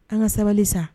An ka sabali san